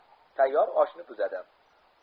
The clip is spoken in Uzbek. tayyor oshni buzadi